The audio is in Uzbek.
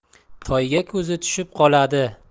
toyga ko'zi tushib qoladi